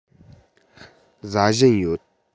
ཟ བཞིན ཡོད